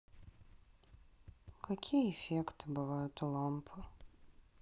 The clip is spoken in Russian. какие эффекты бывают у лампы